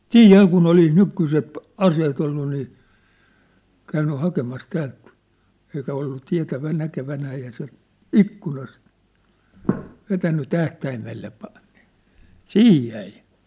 siinä ja kun olisi nykyiset aseet ollut niin käynyt hakemassa täältä eikä ollut - näkevinään eihän se ikkunasta vetänyt tähtäimelle - niin siihen jäi